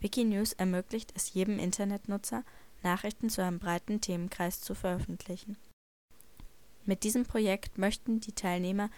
Wikinews ermöglicht es jedem Internet-Nutzer, Nachrichten zu einem breiten Themenkreis zu veröffentlichen. Dazu setzt es wie seine